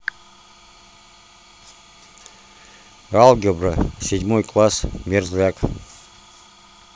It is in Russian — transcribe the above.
алгебра седьмой класс мерзляк